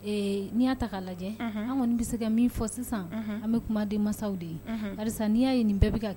N'i'a ta lajɛ an kɔni bɛ se ka min fɔ sisan an bɛ kuma den masasaw de ye ara n'i y' ye nin bɛ kɛ